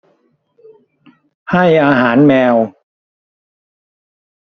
ให้อาหารแมว